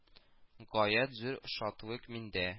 Гаять зур шатлык миндә